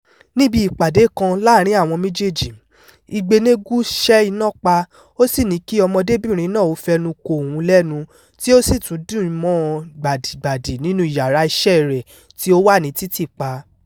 Níbi ìpàdé kan láàárín àwọn méjèèjì, Igbeneghu ṣẹ́ iná pa, ó sì ní kí ọmọdébìnrin náà ó fẹ́nu ko òhun lẹ́nu, tí ó sì tún dì mọ́ ọn gbádígbádí nínúu iyàraa iṣẹ́ẹ rẹ̀ tí ó wà ní títì pa.